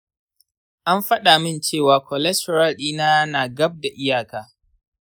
an faɗa mini cewa cholesterol ɗina ya na gab da iyaka.